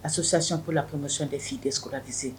Association pour la promotion des filles déscolarisées